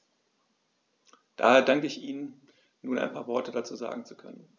Daher danke ich Ihnen, nun ein paar Worte dazu sagen zu können.